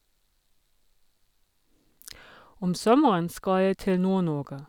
Om sommeren skal jeg til Nord-Norge.